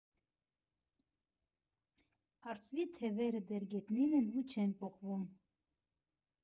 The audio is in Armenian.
Արծվի թևերը դեռ գետնին են ու չեն պոկվում։